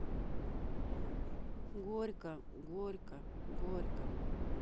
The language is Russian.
горько горько горько